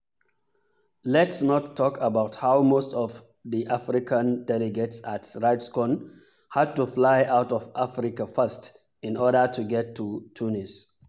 Let's not talk about how most of the African delegates at RightsCon had to fly out of Africa first, in order to get to Tunis.